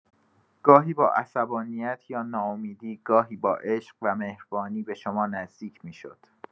گاهی با عصبانیت یا ناامیدی، گاهی با عشق و مهربانی به شما نزدیک می‌شد.